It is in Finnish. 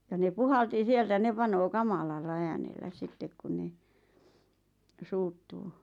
ja ne puhalsi sieltä ne panee kamalalla äänellä sitten kun ne suuttuu